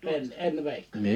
en en veikkonen